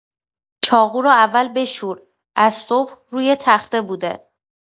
چاقو رو اول بشور، از صبح روی تخته بوده.